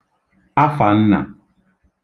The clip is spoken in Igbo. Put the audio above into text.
afànnà